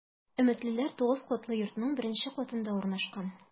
“өметлеләр” 9 катлы йортның беренче катында урнашкан.